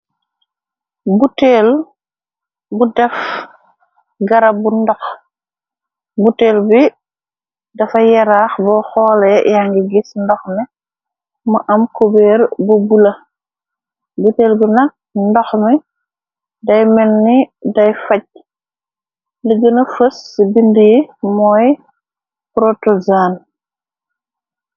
Buteel bu def garab bu ndox buteel bi dafa yaraax bo xoole ya ngi gis ndox mi. Mu am cubeer bu bula buteel bi nak ndox mi day menni day faj li gëna fës ci bind yi mooy protozan.